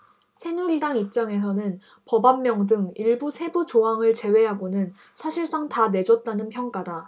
새누리당 입장에서는 법안명 등 일부 세부조항을 제외하고는 사실상 다 내줬다는 평가다